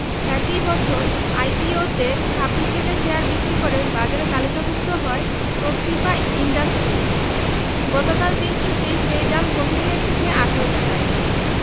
একই বছর আইপিওতে ২৬ টাকায় শেয়ার বিক্রি করে বাজারে তালিকাভুক্ত হয় তশরিফা ইন্ডাস্ট্রিজ গতকাল দিন শেষে সেই দাম কমে নেমে এসেছে ১৮ টাকায়